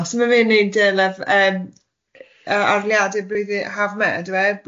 O so ma fe'n wneud yy lef- yym yy arloliade blwyddyn haf yma ydyw e?